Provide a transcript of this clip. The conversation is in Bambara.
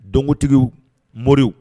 Dɔnkotigiw, moriw